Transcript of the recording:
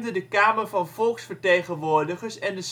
de Kamer van Volksvertegenwoordigers en